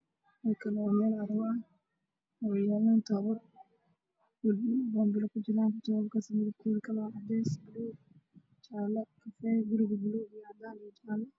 Heshaan oo meel suuq ah waxaa soo socdo nin wato khamiis waxaana lagu gadayaasha hoyin dhar kala duwan oo qur qurxan